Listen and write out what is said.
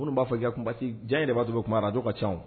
Minnu b'a fɔ k'i ka kuma , diya n ye de b'a t i bɛ kuma radio ka ca wo.